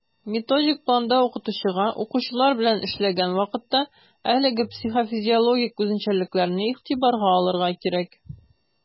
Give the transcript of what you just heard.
Методик планда укытучыга, укучылар белән эшләгән вакытта, әлеге психофизиологик үзенчәлекләрне игътибарга алырга кирәк.